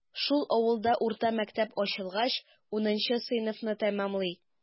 Шул авылда урта мәктәп ачылгач, унынчы сыйныфны тәмамлый.